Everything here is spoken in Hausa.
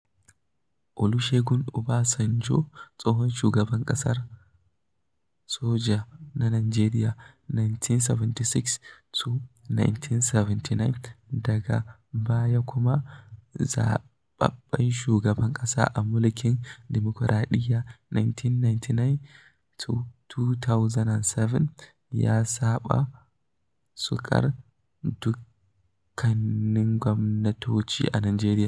Olusegun Obasanjo, tsohon shugaban ƙasar soja na Najeriya (1976-1979) daga baya kuma zaɓaɓɓen shugaban ƙasa a mulkin dimukuraɗiyya (1999-2007) ya saba sukar dukkanin gwamnatoci a Najeriya.